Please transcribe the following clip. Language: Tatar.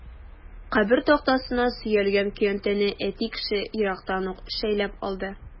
Кабер тактасына сөялгән көянтәне әти кеше ерактан ук шәйләп алды.